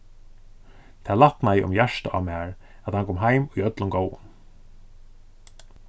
tað lætnaði um hjartað á mær at hann kom heim í øllum góðum